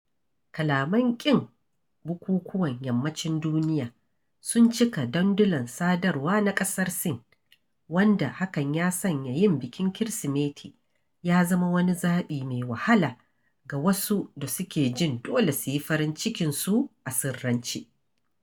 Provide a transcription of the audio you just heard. Kalaman ƙin bukukuwan Yammacin duniya sun cika dandulan sadarwa na ƙasar Sin, wanda hakan ya sanya yin bikin Kirsimeti ya zama wani zaɓi mai wahala ga wasu da suke jin dole su yi farin cikinsu a sirrance.